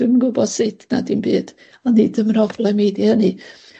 Dwi'm yn gwybo sut, na dim byd ond nid ym mhroblem i 'di ynny.